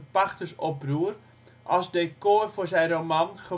Pachtersoproer als decor voor zijn roman